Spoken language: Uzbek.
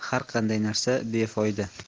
har qanday narsa befoyda